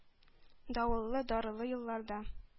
Давыллы, дарылы елларда.